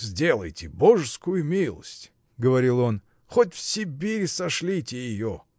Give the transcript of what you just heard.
— Сделайте божескую милость, — говорил он, — хоть в Сибирь сошлите ее!